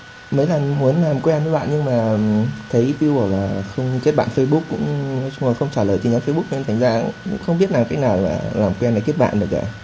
mấy lần muốn làm quen với bạn nhưng mà thấy piu bảo là không kết bạn phây búc cũng nói không trả lời tin nhắn phây búc thành ra là cũng không biết làm cách nào làm quen để kết bạn